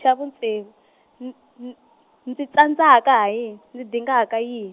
xa vu ntsevu, n- n- ndzi tsandzaka ha yini ni dingaka yi-.